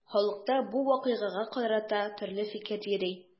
Халыкта бу вакыйгага карата төрле фикер йөри.